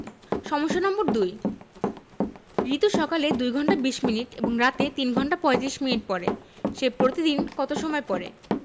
সমস্যা নম্বর ২ রিতু সকালে ২ ঘন্টা ২০ মিনিট এবং রাতে ৩ ঘণ্টা ৩৫ মিনিট পড়ে সে প্রতিদিন কত সময় পড়ে